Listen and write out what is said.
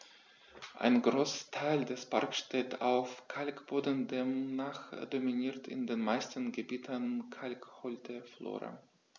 Ein Großteil des Parks steht auf Kalkboden, demnach dominiert in den meisten Gebieten kalkholde Flora.